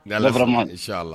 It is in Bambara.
Nka ale farama i siya la